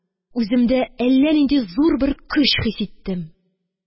Үземдә әллә нинди зур бер көч хис иттем.